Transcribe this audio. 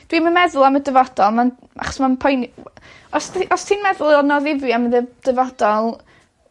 Dwi'm yn meddwl am y dyfodol ma'n achos ma'n poeni w- yy os ti os ti'n meddwl yn o ddifri am y dyf- dyfodol